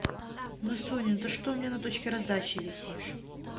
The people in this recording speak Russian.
ну соня ты что у меня на точке раздачи висишь